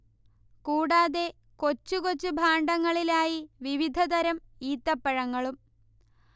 കൂടാതെ കൊച്ചു കൊച്ചു ഭാണ്ഡങ്ങളിലായി വിവിധതരം ഈത്തപ്പഴങ്ങളും